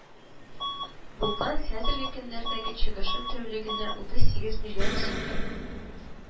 Булган, хәзерге көннәрдәге чыгышы тәүлегенә 38 миллион сумдыр